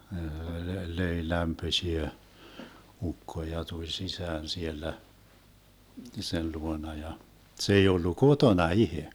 löi lämpöisiä ukko ja tuli sisään siellä sen luona ja se ei ollut kotona itse